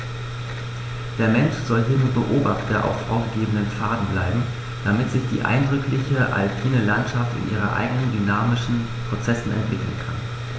Der Mensch soll hier nur Beobachter auf vorgegebenen Pfaden bleiben, damit sich die eindrückliche alpine Landschaft in ihren eigenen dynamischen Prozessen entwickeln kann.